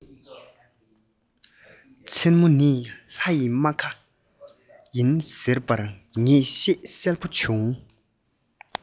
མཚན མོ ནི ལྷ ཡི རྨ ཁ ཡིན ཟེར པར ངེས ཤེས གསལ བོ བྱུང